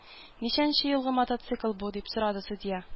Ничәнче елгы мотоцикл бу? – дип сорады судья.